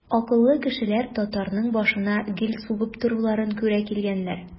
Акыллы кешеләр татарның башына гел сугып торуларын күрә килгәннәр.